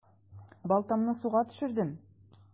Балтамны суга төшердем.